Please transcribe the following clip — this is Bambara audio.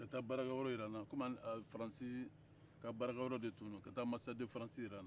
ka taa baara kɛ yɔrɔ jira n na kɔmi faransi ka baara kɛ yɔrɔ de tun don ka taa anbasadi faransi jira n na